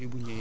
dëgg la